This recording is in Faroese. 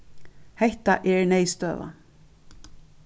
hetta er neyðstøða